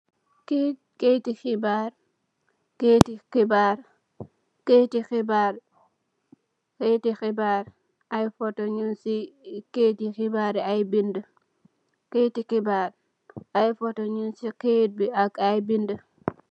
Kayiti xibarr, ay foto ñiñ ci kayit bi ak ay bindi.